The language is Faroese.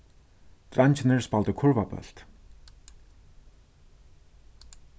dreingirnir spældu kurvabólt